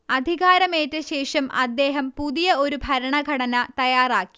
അധികാരമേറ്റശേഷം അദ്ദേഹം പുതിയ ഒരു ഭരണഘടന തയ്യാറാക്കി